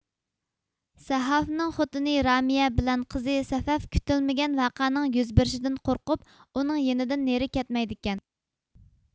سەھافنىڭ خوتۇنى رامىيە بىلەن قىزى سەفەف كۈتۈلمىگەن ۋەقەنىڭ يۈز بېرىشىدىن قورقۇپ ئۇنىڭ يېنىدىن نېرى كەتمەيدىكەن